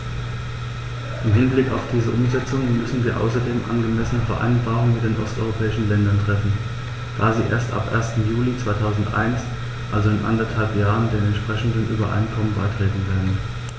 Im Hinblick auf diese Umsetzung müssen wir außerdem angemessene Vereinbarungen mit den osteuropäischen Ländern treffen, da sie erst ab 1. Juli 2001, also in anderthalb Jahren, den entsprechenden Übereinkommen beitreten werden.